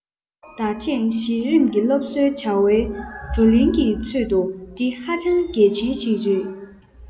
ད ཐེངས གཞི རིམ གྱི སློབ གསོའི བྱ བའི བགྲོ གླེང གི ཚོགས འདུ འདི ཧ ཅང གལ ཆེན ཞིག རེད